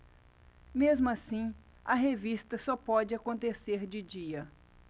mesmo assim a revista só pode acontecer de dia